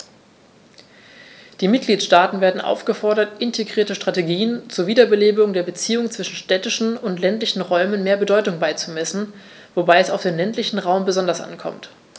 Die Mitgliedstaaten werden aufgefordert, integrierten Strategien zur Wiederbelebung der Beziehungen zwischen städtischen und ländlichen Räumen mehr Bedeutung beizumessen, wobei es auf den ländlichen Raum besonders ankommt.